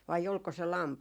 vai oliko se lampaista